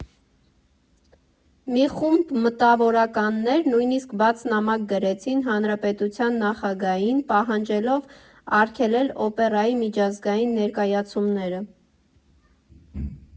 Մի խումբ մտավորականներ նույնիսկ բաց նամակ գրեցին հանրապետության նախագահին՝ պահանջելով արգելեր օպերայի միջազգային ներկայացումները։